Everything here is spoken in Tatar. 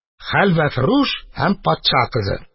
Хәлвәфрүш һәм патша кызы